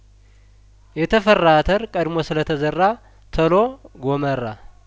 የተፈራ አተር ቀድሞ ስለተዘራ ተሎ ጐመራ